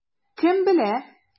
Кем белә?